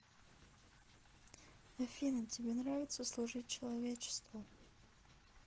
афина тебе нравится служить человечеству